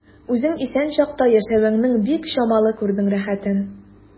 Үзең исән чакта яшәвеңнең бик чамалы күрдең рәхәтен.